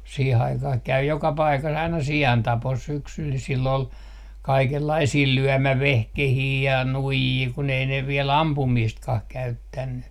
siihen aikaan kävi joka paikassa aina siantapossa syksyllä sillä oli kaikenlaisia lyömävehkeitä ja nuijia kun ei ne vielä ampumistakaan käyttänyt